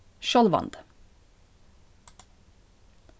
sjálvandi